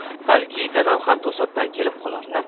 balki dadam ham to'satdan kelib qolarlar